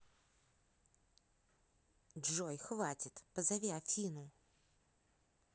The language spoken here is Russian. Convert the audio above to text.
джой хватит позови афину